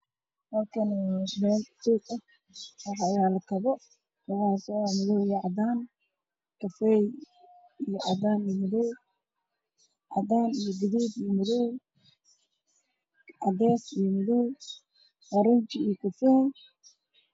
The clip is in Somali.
Waa dukaan maxaa yeelay niman oo xarga leh suman leh oo midmar yihiin cadaan madow guduud